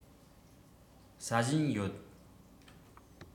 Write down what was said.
ཟ བཞིན ཡོད